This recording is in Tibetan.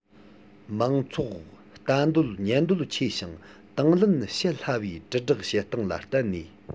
མང ཚོགས ལྟ འདོད ཉན འདོད ཆེ ཞིང དང ལེན བྱེད སླ བའི དྲིལ བསྒྲགས བྱེད སྟངས ལ བརྟེན ནས